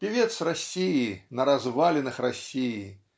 Певец России на развалинах России